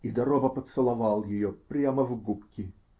И де Роба поцеловал ее прямо в губки.